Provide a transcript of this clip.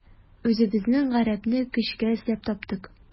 Үзебезнең гарәпне көчкә эзләп таптык.